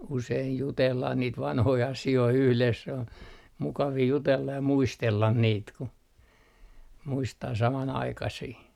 usein jutellaan niitä vanhoja asioita yhdessä se on mukavia jutella ja muistella niitä kun muistaa samanaikaisia